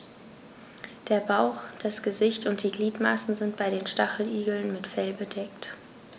Der Bauch, das Gesicht und die Gliedmaßen sind bei den Stacheligeln mit Fell bedeckt.